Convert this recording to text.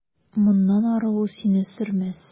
Моннан ары ул сине сөрмәс.